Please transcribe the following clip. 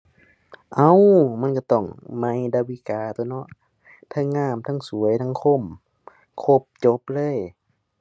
เอ้า มันก็ต้องใหม่ ดาวิกาตั่วเนาะ เทิงงาม เทิงสวย เทิงคม ครบจบเลย